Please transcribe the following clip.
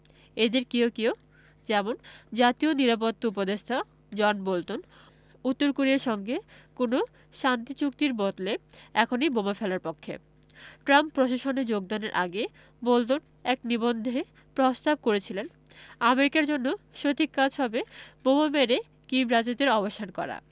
এঁদের কেউ কেউ যেমন জাতীয় নিরাপত্তা উপদেষ্টা জন বোল্টন উত্তর কোরিয়ার সঙ্গে কোনো শান্তি চুক্তির বদলে এখনই বোমা ফেলার পক্ষে ট্রাম্প প্রশাসনে যোগদানের আগে বোল্টন এক নিবন্ধে প্রস্তাব করেছিলেন আমেরিকার জন্য সঠিক কাজ হবে বোমা মেরে কিম রাজত্বের অবসান করা